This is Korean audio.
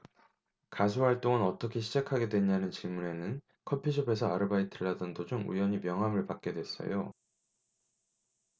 가수 활동은 어떻게 시작하게 됐냐는 질문에는 커피숍에서 아르바이트를 하던 도중 우연히 명함을 받게 됐어요